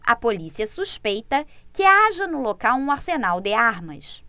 a polícia suspeita que haja no local um arsenal de armas